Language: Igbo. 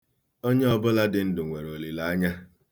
Onye ọbụla dị ndụ nwere olilaanya.